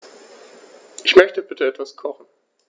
Ich möchte bitte etwas kochen.